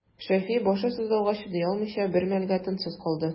Шәфи, башы сызлауга чыдый алмыйча, бер мәлгә тынсыз калды.